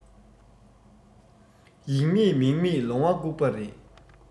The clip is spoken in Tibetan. ཡིག མེད མིག མེད ལོང བ སྐུགས པ རེད